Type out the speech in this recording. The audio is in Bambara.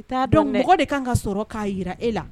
I t'a dɔn dɛ donc mɔgɔ de kaan ka sɔrɔ k'a yira e la